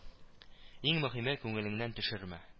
Иң мөһиме күңелеңне төшермә